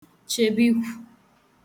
chèbe ikwu